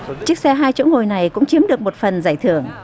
chiếc xe hai chỗ ngồi này cũng chiếm được một phần giải thưởng